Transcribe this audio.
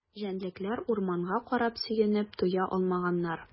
Җәнлекләр урманга карап сөенеп туя алмаганнар.